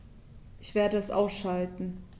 Ich werde es ausschalten